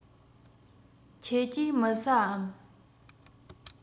ཁྱེད ཀྱིས མི ཟ འམ